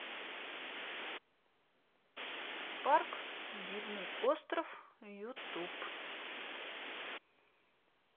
парк дивный остров ютуб